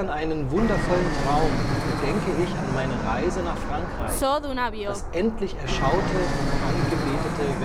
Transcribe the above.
einen wundervollen Traum gedenke ich an meine Reise nach Frankreich, das endlich erschaute, angebetete